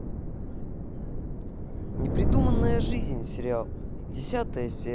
непридуманная жизнь сериал десятая серия